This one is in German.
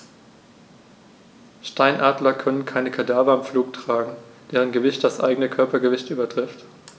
Steinadler können keine Kadaver im Flug tragen, deren Gewicht das eigene Körpergewicht übertrifft.